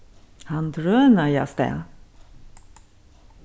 hann drønaði avstað